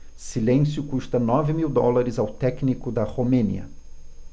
silêncio custa nove mil dólares ao técnico da romênia